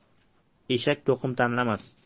eshak to'qim tanlamas